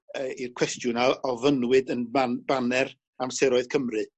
yy i'r cwestiwn a ofynnwyd yn ban- Baner Amseroedd Cymru